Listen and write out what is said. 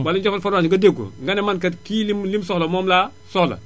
wala ñu defal la formation nga dégg ko nga ne man kat kii li mu soxla moom laa soxla